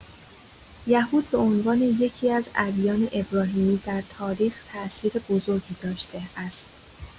یهود به عنوان یکی‌از ادیان ابراهیمی در تاریخ تاثیر بزرگی داشته است.